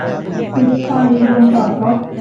ปิดไฟโรงจอดรถ